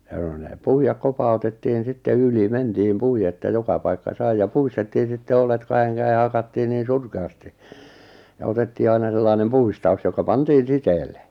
ja ne ne puida kopautettiin sitten yli mentiin puiden että joka paikka sai ja puistettiin sitten oljet kahden käsin hakattiin niin surkeasti ja otettiin aina sellainen puistaus joka pantiin siteelle